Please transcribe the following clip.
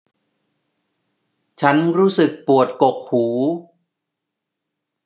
ฉันรู้สึกปวดกกหู